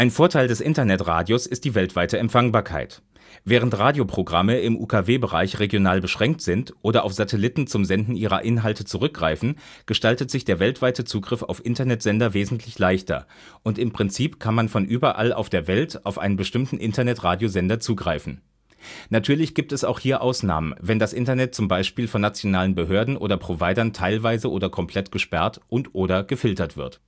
Vorteil des Internetradios ist die weltweite Empfangbarkeit. Während Radioprogramme im UKW-Bereich regional beschränkt sind oder auf Satelliten zum Senden ihrer Inhalte zurückgreifen, gestaltet sich der weltweite Zugriff auf Internetsender wesentlich leichter und im Prinzip kann man von überall auf der Welt auf einen bestimmten Internetradiosender zugreifen. Natürlich gibt es auch hier Ausnahmen, wenn das Internet zum Beispiel von nationalen Behörden oder Providern teilweise oder komplett gesperrt und/oder gefiltert wird